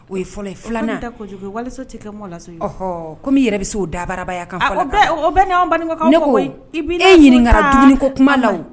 O ye fɔlɔ ye 2 nan. Ko min ta kojugu ye, walisa tɛ kɛ mɔgɔ la so ye o. Ɔhɔɔ! comme i yɛrɛ bɛ se o dabarabaya kan fɔ. A o bɛ ye o bɛ y'an Banikɔkaw . Ne ko e ɲininka la dumuni ko kuma la o.